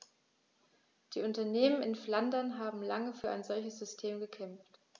Die Unternehmen in Flandern haben lange für ein solches System gekämpft.